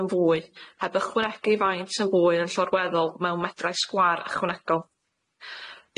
yn fwy heb ychwanegu faint yn fwy yn llorweddol mewn medrau sgwâr ychwanegol.